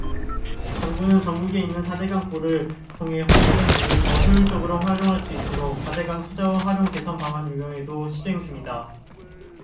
정부는 전국에 있는 사 대 강 보를 통해 확보된 물을 더 효율적으로 활용할 수 있도록 사 대 강 수자원 활용 개선 방안 용역도 시행 중이다